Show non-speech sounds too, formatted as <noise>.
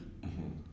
<hesitation> <hesitation>